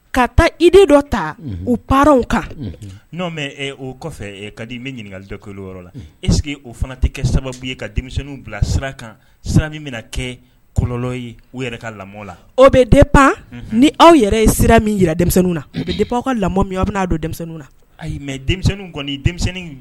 Ka i dɔ ta u kan n' o kɔfɛ ka di bɛ ɲininkakali dɔ kelen yɔrɔ la e sigi o fana tɛ kɛ sababu ye ka denmisɛnninw bila sira kan sira min bɛna kɛ kɔlɔ ye u yɛrɛ ka lamɔ la o bɛ den pan ni aw yɛrɛ ye sira min yɛrɛ na o de aw ka lamɔ min aw bɛ n'a don denmisɛnninw na ayi mɛ denmisɛnnin kɔni denmisɛnnin